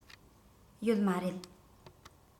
ཡོད མ རེད